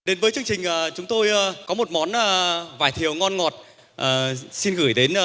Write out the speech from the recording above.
đến với chương trình ờ chúng tôi ơ có một món ờ vải thiều ngon ngọt ờ xin gửi đến